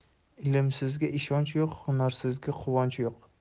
ilmsizga ishonch yo'q hunarsizga quvonch yo'q